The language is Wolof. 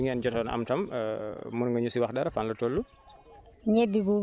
ñebe jooju ngeen jotoon am tam mun nga ñu si wax dara fan la toll